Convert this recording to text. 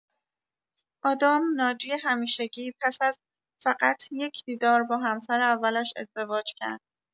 آدام، ناجی همیشگی، پس از فقط یک دیدار با همسر اولش ازدواج کرد.